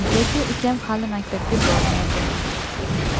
negaki ukam hali maktabga bormaydi